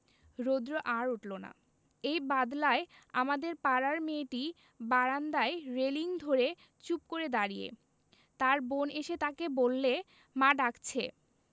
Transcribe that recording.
রোদ্র আর উঠল না এই বাদলায় আমাদের পাড়ার মেয়েটি বারান্দায় রেলিঙ ধরে চুপ করে দাঁড়িয়ে তার বোন এসে তাকে বললে মা ডাকছে